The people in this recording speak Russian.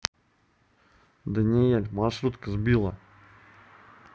daniel маршрутка сбила